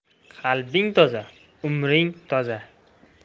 qalbing toza umring toza